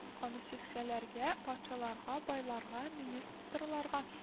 — канычешәләргә: патшаларга, байларга, министрларга